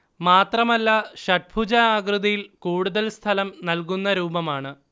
മാത്രമല്ല ഷഡ്ഭുജ ആകൃതിയിൽ കൂടുതൽ സ്ഥലം നൽകുന്ന രൂപമാണ്